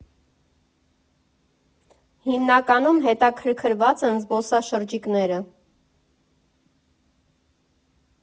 Հիմնականում հետաքրքրված են զբոսաշրջիկները։